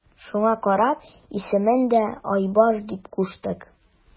Шуңа карап исемен дә Айбаш дип куштык.